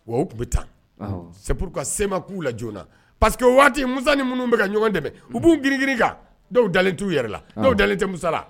Wa o Tun bɛ tan. Ɔnhɔn! C'est pourquoi se ma k'u la joona. Parce que waati Musa ni minnu bɛ ka ɲɔgɔn dɛmɛ u b'u girin girin i kan. Dɔw dalen t'u yɛrɛ la,. Unhun! Dɔw dalen tɛ Musa la.